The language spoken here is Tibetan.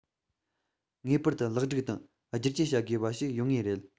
ངེས པར དུ ལེགས སྒྲིག དང བསྒྱུར བཅོས བྱ དགོས པ ཞིག ཡོང ངེས རེད